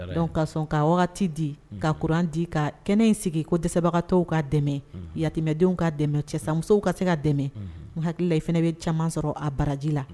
Donc ka sɔn ka wagati di ka kuran di ka kɛnɛ in sigi ko dɛbagatɔw ka dɛmɛ yatimɛdenw ka dɛmɛ ,cɛ sa musow ka se ka dɛmɛ n hakilila i fana bɛ caaman sɔrɔ a baraji la.